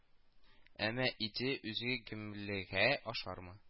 Әмма идея үзе гомелгегә ашармы